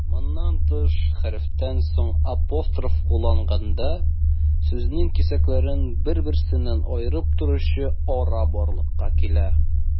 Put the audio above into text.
Моннан тыш, хәрефтән соң апостроф кулланганда, сүзнең кисәкләрен бер-берсеннән аерып торучы ара барлыкка килә.